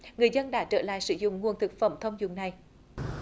người dân đã trở lại sử dụng nguồn thực phẩm thông dụng này